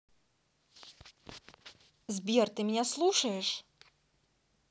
сбер ты меня слушаешь